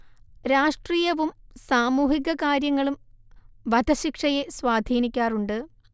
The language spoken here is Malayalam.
രാഷ്ട്രീയവും സാമൂഹിക കാര്യങ്ങളും വധശിക്ഷയെ സ്വാധീനിക്കാറുണ്ട്